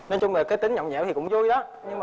nói chung cái tính nhõng nhẽo thì cũng vui đó nhưng